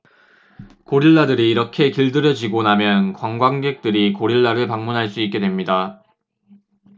고릴라들이 이렇게 길들여지고 나면 관광객들이 고릴라를 방문할 수 있게 됩니다